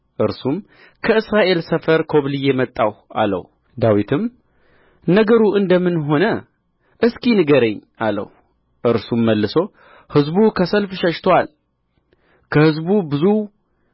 እርሱም ከእስራኤል ሰፈር ኰብልዬ መጣሁ አለው ዳዊትም ነገሩ እንደ ምን ሆነ እስኪ ንገረኝ አለው እርሱም መልሶ ሕዝቡ ከሰልፉ ሸሽቶአል ከሕዝቡ ብዙው